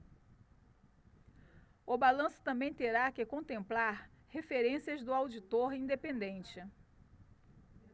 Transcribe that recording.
o balanço também terá que contemplar referências do auditor independente